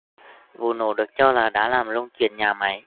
vụ nổ được cho là đã làm rung chuyển nhà máy